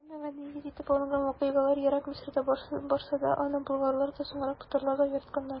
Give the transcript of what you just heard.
Поэмага нигез итеп алынган вакыйгалар ерак Мисырда барса да, аны болгарлар да, соңрак татарлар да яратканнар.